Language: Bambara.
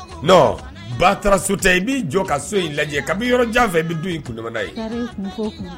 N ba taara so tɛ yen i b'i jɔ ka so in lajɛ ka bɛ yɔrɔjan fɛn bɛ don in kunma ye